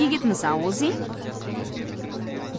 yigitmisan o'zing